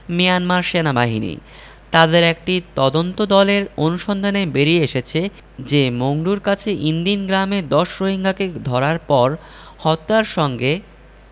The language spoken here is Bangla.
মিয়ানমার সেনাবাহিনী তাদের একটি তদন্তদলের অনুসন্ধানে বেরিয়ে এসেছে যে মংডুর কাছে ইনদিন গ্রামে ১০ রোহিঙ্গাকে ধরার পর হত্যার সঙ্গে